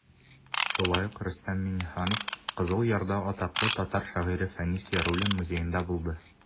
Шулай ук Рөстәм Миңнеханов Кызыл Ярда атаклы татар шагыйре Фәнис Яруллин музеенда булды.